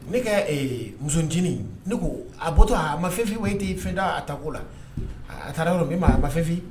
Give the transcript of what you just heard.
Ne kɛ mutinin ne ko a bɔtɔ a ma fɛnfin we ten fɛn' a ta'o la a taara' yɔrɔ min a ma fɛnfin